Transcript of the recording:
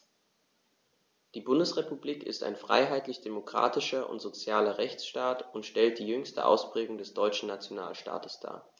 Die Bundesrepublik ist ein freiheitlich-demokratischer und sozialer Rechtsstaat und stellt die jüngste Ausprägung des deutschen Nationalstaates dar.